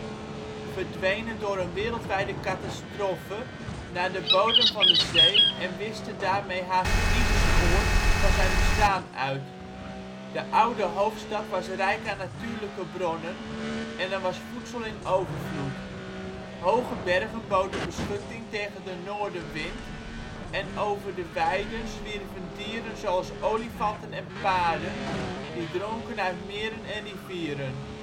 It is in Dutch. verdween het door een wereldwijde catastrofe naar de bodem van de zee en wiste daarmee haast ieder spoor van zijn bestaan uit: " De oude hoofdstad was rijk aan natuurlijke bronnen en er was voedsel in overvloed. Hoge bergen boden beschutting tegen de noordenwind en over de weiden zwierven dieren zoals olifanten en paarden, die dronken uit meren en rivieren